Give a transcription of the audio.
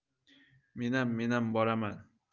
menam menam boraman